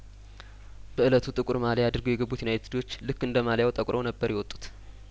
በእለቱ ጥቁር ማሊያ አድርገው የገቡት ዩናይት ዶች ልክ እንደማሊያው ጠቁረው ነበር የወጡት